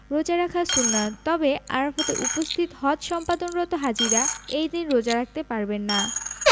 রোজা রাখা সুন্নাত তবে আরাফাতে উপস্থিত হজ সম্পাদনরত হাজিরা এই দিন রোজা রাখতে পারবেন না